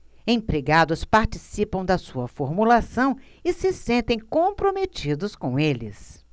empregados participam da sua formulação e se sentem comprometidos com eles